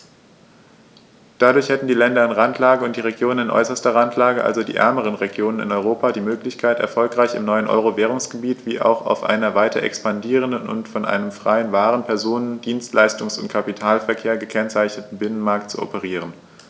Dadurch hätten die Länder in Randlage und die Regionen in äußerster Randlage, also die ärmeren Regionen in Europa, die Möglichkeit, erfolgreich im neuen Euro-Währungsgebiet wie auch auf einem weiter expandierenden und von einem freien Waren-, Personen-, Dienstleistungs- und Kapitalverkehr gekennzeichneten Binnenmarkt zu operieren.